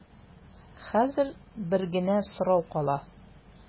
Хәзер бер генә сорау кала.